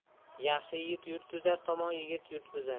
yaxshi yigit yurt tuzar yomon yigit yurt buzar